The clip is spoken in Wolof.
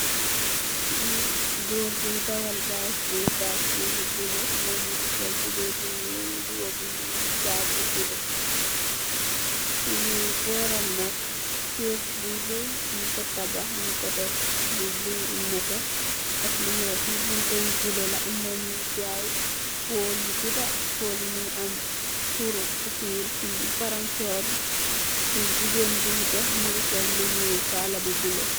Li goor boi dawal bicycle bicycle bu bulu mom mongi sol tubai bu nuul mbuba bu nuul sag bu bulu si moram nak keur bi raay nyun go tabax nyun ko def lu nete ak lu weex fi bunta yu bulu la amna nyoi jaay pole yu guda pole yu mongi am kuran fill fi palansor fi jigeen boi dox sol lu nuul kala bu bulu.